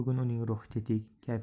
bugun uning ruhi tetik